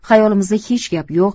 xayolimizda hech gap yo'q